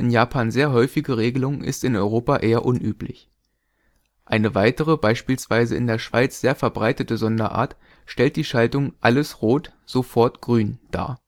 Japan sehr häufige Regelung ist in Europa eher unüblich. Eine weitere, beispielsweise in der Schweiz sehr verbreitete Sonderart stellt die Schaltung „ Alles Rot – sofort Grün “dar